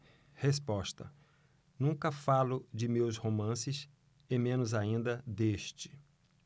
resposta nunca falo de meus romances e menos ainda deste